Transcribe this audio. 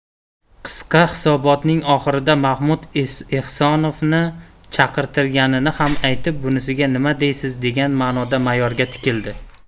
qisqa hisobotning oxirida mahmud ehsonovni chaqirtirganini ham aytib bunisiga nima deysiz degan ma'noda mayorga tikildi